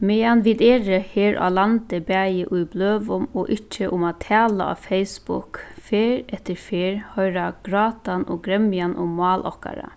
meðan vit eru her á landi bæði í bløðum og ikki um at tala á facebook ferð eftir ferð hoyra grátan og gremjan um mál okkara